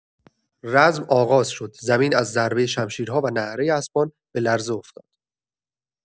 رزم آغاز شد، زمین از ضربه شمشیرها و نعره اسبان به لرزه افتاد.